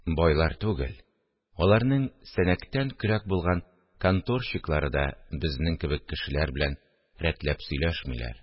Байлар түгел, аларның сәнәктән көрәк булган конторщиклары да безнең кебек кешеләр белән рәтләп сөйләшмиләр